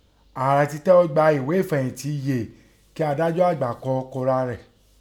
Ààrẹ tẹ tẹ́ọ́ gba eghé ìfẹ̀yìntì yèé kí adájọ́ àgbà kọ fúnra rẹ̀.